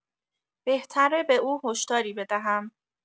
بهتر به او هشداری بدهم.